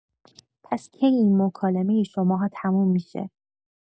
پس کی این مکالمه شماها تموم می‌شه؟